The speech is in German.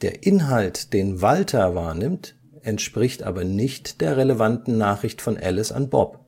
Inhalt, den Walter wahrnimmt, entspricht aber nicht der relevanten Nachricht von Alice an Bob